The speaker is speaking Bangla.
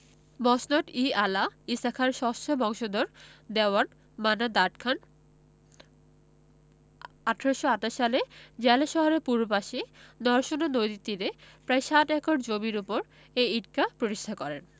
মসনদ ই আলা ঈশাখার ষষ্ঠ বংশধর দেওয়ান মান্নান দাদ খান ১৮২৮ সালে জেলা শহরের পূর্ব পাশে নরসুন্দা নদীর তীরে প্রায় সাত একর জমির ওপর এই ঈদগাহ প্রতিষ্ঠা করেন